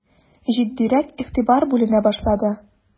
Җитдирәк игътибар бүленә башлады.